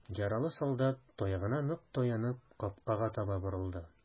Яралы солдат, таягына нык таянып, капкага таба борылды.